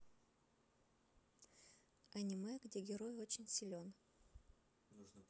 аниме где герой очень силен